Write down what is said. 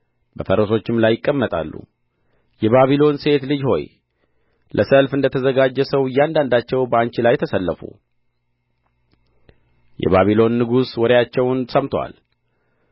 በፈረሶችም ላይ ይቀመጣሉ የባቢሎን ሴት ልጅ ሆይ ለሰልፍ እንደ ተዘጋጀ ሰው እያንዳንዳቸው በአንቺ ላይ ተሰለፉ የባቢሎን ንጉሥ ወሬአቸውን ሰምቶአል